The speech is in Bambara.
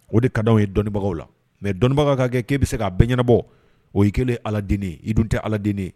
O de ka ye dɔnnibagaw la mɛ dɔnnibaga ka kɛ k'ei bɛ se ka bɛn ɲɛnabɔ o y ye kɛlen alad i dun tɛ alad ne